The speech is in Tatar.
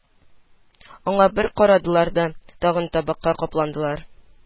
Аңар бер карадылар да, тагын табакка капландылар